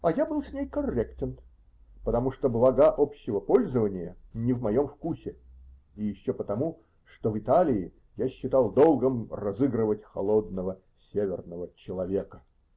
А я был с ней корректен, потому что блага общего пользования -- не в моем вкусе, и еще потому, что в Италии я считал долгом разыгрывать холодного северного человека.